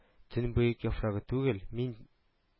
Төнбоек яфрагы түгел, мин